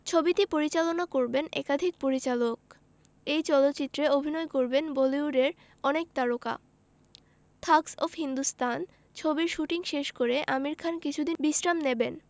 ছবিটি পরিচালনা করবেন একাধিক পরিচালক এই চলচ্চিত্রে অভিনয় করবেন বলিউডের অনেক তারকা থাগস অব হিন্দুস্তান ছবির শুটিং শেষ করে আমির খান কিছুদিন বিশ্রাম নেবেন